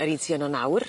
Yr un sy yno nawr.